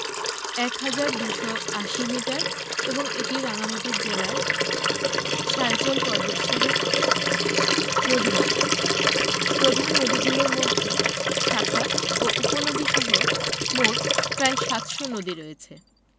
১হাজার ২৮০ মিটার এবং এটি রাঙ্গামাটি জেলার সাইচল পর্বতসারির অন্তর্ভূক্ত নদীমালাঃ প্রধান নদীগুলোর মধ্যে শাখা ও উপনদীসহ মোট প্রায় ৭০০ নদী রয়েছে